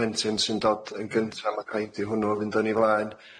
plentyn sy'n dod yn gynta ma' gwneud i hwnnw fynd yn ei flaen.